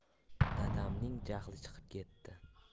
dadamning jahli chiqib ketdi